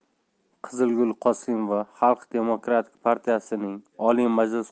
qizilgul qosimova xalq demokratik partiyasiningoliy majlis